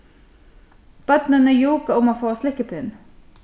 børnini júka um at fáa slikkipinn